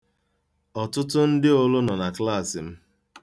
Ọtụtụ ndị ụlụ nọ na klaasị m.